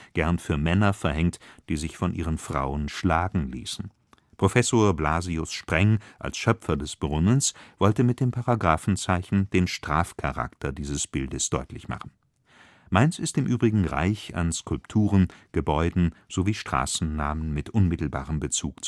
gern für Männer verhängt, die sich von ihren Frauen schlagen ließen. Prof. Blasius Spreng als Schöpfer des Brunnens wollte mit dem Paragrafenzeichen den Strafcharakter dieses Bildes deutlich machen. Mainz ist im übrigen reich an Skulpturen, Gebäuden sowie Straßennamen mit unmittelbarem Bezug